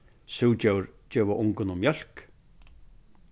súgdjór geva ungunum mjólk